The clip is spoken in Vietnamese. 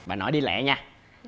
bà nội đi lẹ nha